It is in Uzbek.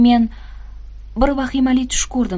men bir vahimali tush ko'rdim